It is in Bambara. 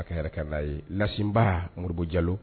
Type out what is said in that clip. A ka yɛrɛ k'an n'a ye Lasiba Modibo Jalo